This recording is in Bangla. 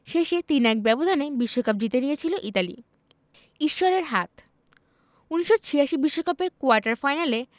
শেষে ৩ ১ ব্যবধানে বিশ্বকাপ জিতে নিয়েছিল ইতালি ঈশ্বরের হাত ১৯৮৬ বিশ্বকাপের কোয়ার্টার ফাইনালে